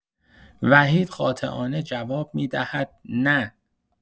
و حمید قاطعانه جواب می‌دهد: نه.